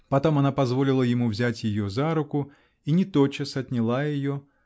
потом она позволила ему взять ее за руку и не тотчас отняла ее.